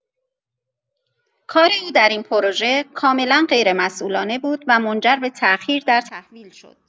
کار او در این پروژه کاملا غیرمسئولانه بود و منجر به تاخیر در تحویل شد.